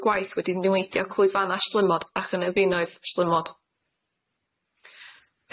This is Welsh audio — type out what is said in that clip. y gwaith wedi newidio clwyfanna sblymod a chynefinoedd sblymod.